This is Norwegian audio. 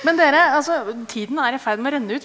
men dere altså tiden er i ferd med å renne ut.